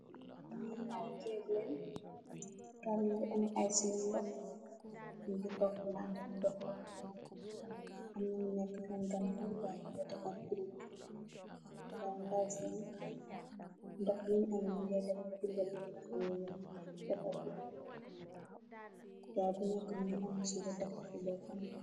Ñii ay jéég lañge, kaayi ñu ngi enu ay siwoo ndox, ñu ngi toopalante, am na ñu néékë séén ganaaw di defar birik. Ndaw si, ndox bim enu mu ngee dem dimbale ñi nga xam ne ñuy defar birik. Gaay i ku nééké mu ngi enu siwoo tek ko si boopam.